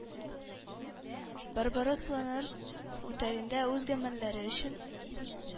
“барбаросс” планын үтәгәндә үз гамәлләре өчен